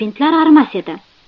bintlar arimas edi